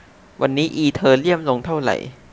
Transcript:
วันนี้อีเธอเรียมลงเท่าไหร่